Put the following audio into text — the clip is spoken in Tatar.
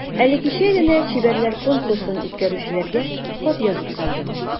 Әле кичә генә чибәрләр конкурсын үткәрүчеләргә хат язып салдым.